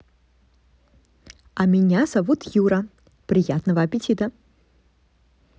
а меня зовут юра приятного аппетита